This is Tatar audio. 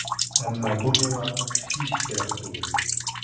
Әмма бу миңа һич кирәк түгел.